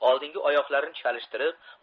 oldingi oyoqlarini chalishtirib